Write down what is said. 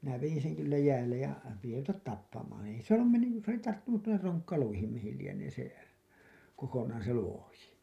minä vedin sen kyllä jäälle ja piti ruveta tappamaan ei se ollut mennyt juuri se oli tarttunut tuonne ronkkaluihin mihin lienee se kokonaan se luoti